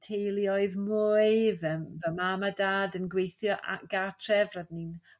teuluoedd mwy fy mam a dad yn gweithio ar- gartref rydyn ni'n